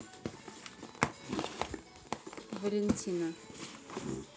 валентина